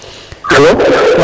alo